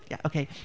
Ie, ocei.